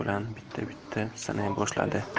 bilan bitta bitta sanay boshladi